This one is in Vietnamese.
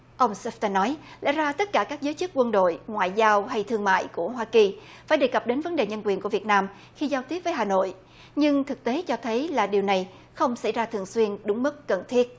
ông sép tưn nói lẽ ra tất cả các giới chức quân đội ngoại giao hay thương mại của hoa kỳ phải đề cập đến vấn đề nhân quyền của việt nam khi giao tiếp với hà nội nhưng thực tế cho thấy là điều này không xảy ra thường xuyên đúng mức cần thiết